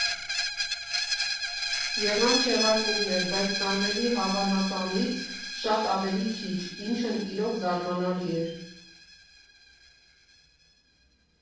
Եղան չեղարկումներ, բայց տանելի֊հավանականից շատ ավելի քիչ, ինչն իրոք զարմանալի էր։